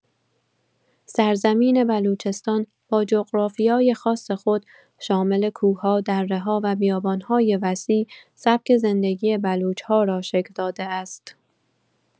سرزمین بلوچستان با جغرافیای خاص خود، شامل کوه‌ها، دره‌ها و بیابان‌های وسیع، سبک زندگی بلوچ‌ها را شکل داده است.